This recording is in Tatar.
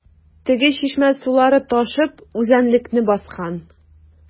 Теге чишмә сулары ташып үзәнлекне баскан.